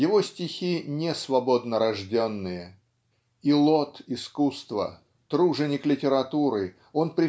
Его стихи не свободнорожденные. Илот искусства труженик литературы он